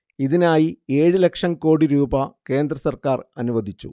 ഇതിനായി ഏഴ് ലക്ഷം കോടി രൂപ കേന്ദ്ര സർക്കാർ അനുവദിച്ചു